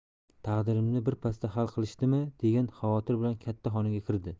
taqdirimni birpasda hal qilishdimi degan xavotir bilan katta xonaga kirdi